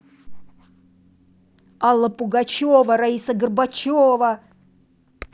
алла пугачева раиса горбачева